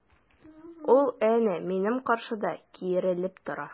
Ул әнә минем каршыда киерелеп тора!